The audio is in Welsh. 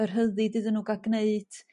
y rhyddid iddyn nhw ga'l gneud